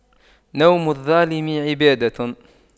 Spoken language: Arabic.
نوم الظالم عبادة